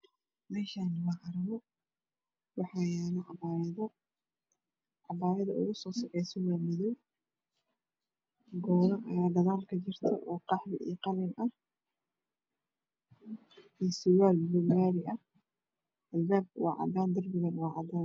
Meshani waa carwo waxa yalo cabadayo cabayada usoo sakesu waa madow goono aya aya gadal kajirto oo Qaxwo oQalin ah iyo surwal bulug mari ah Albabka wa cadan darbiga wa cadan